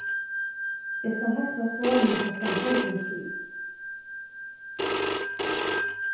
eg skal heinta sonin klokkan hálvgum trý